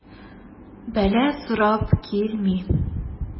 Бәла сорап килми.